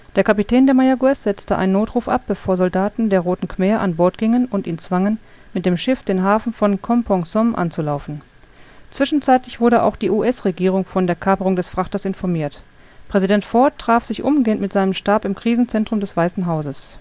Der Kapitän der Mayaguez setzte einen Notruf ab, bevor Soldaten der Roten Khmer an Bord gingen und ihn zwangen, mit dem Schiff den Hafen von Kompong Som anzulaufen. Zwischenzeitlich wurde auch die US-Regierung von der Kaperung des Frachters informiert. Präsident Ford traf sich umgehend mit seinem Stab im Krisenzentrum des Weißen Hauses